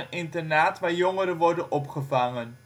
internaat waar jongeren worden opgevangen